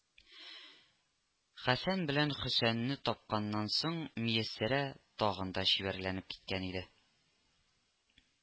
Хәсән белән Хөсәнне тапканнан соң Мияссәрә тагын да чибәрләнеп киткән иде